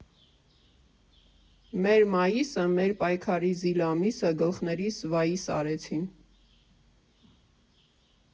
Մեր մայիսը՝ մեր պայքարի զիլ ամիսը, գլխներիս վայիս արեցին։